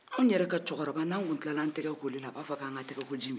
anw yɛrɛ ka cɛkɔrɔba n'aan tun tila la tɛgɛ koli la a b'a fɔ k'an ka tɛkoji min